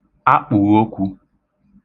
akpụ̀okwū